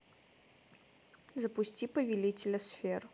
запусти повелителя сфер